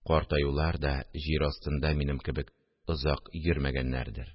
Карт аюлар да җир астында минем кебек озак йөрмәгәннәрдер